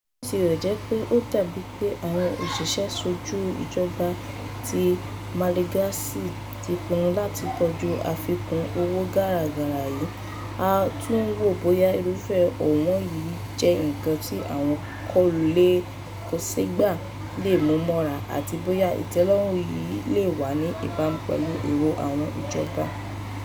Bí ó tilẹ̀ jẹ́ pé ó dàbí pé àwọn òṣìṣẹ́-ṣojú ìjọba ti Malagasy ti pinnu láti kojú afikún owó gagara yìí, aá tún wóó bóyá irúfẹ́ ọ̀wọ́n yìí jẹ́ nǹkan tí àwọn kòlà-kòṣagbe lè mú mọ́ra àti bóyá ìtẹ́lọ́rùn yìí lè wà ní ìbámú pẹ̀lú èrò àwọn ìjọba.